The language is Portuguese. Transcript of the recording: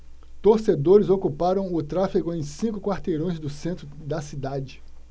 torcedores ocuparam o tráfego em cinco quarteirões do centro da cidade